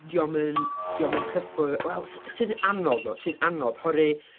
'Di o'm yn, 'di o'm yn cyffwr-, wel s- sy'n anodd ddo sy'n anodd oherwydd...